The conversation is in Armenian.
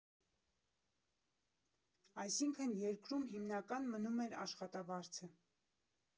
Այսինքն՝ երկրում հիմնականում մնում էր աշխատավարձը։